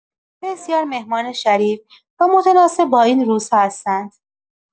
بسیار مهمان شریف و متناسب با این روزها هستند.